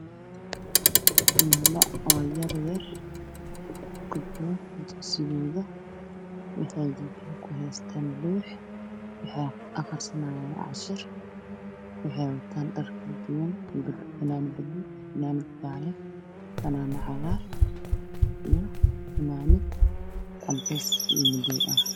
Waa ilmo yar yar oo jooga dugsi